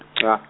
nca.